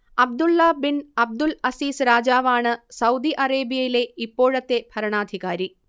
Abdulla bin Abdul Aziz രാജാവാണ് Saudi അറേബ്യയിലെ ഇപ്പോഴത്തെ ഭരണാധികാരി